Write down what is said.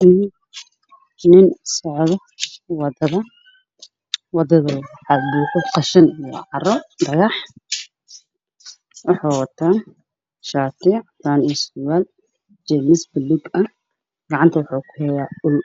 Waa nin ku dhex jiro meel qashin ah oo gacanta ku wata ul wuxuu wataa tacbays ah israel buluug ah qashinka ayuu xaqayaa